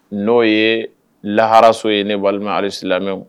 N'o ye laharaso ye ne walima alisi lamɛnme